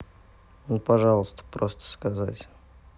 ну пожалуйста просто сказать